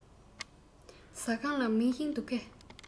ཟ ཁང ལ མེ ཤིང འདུག གས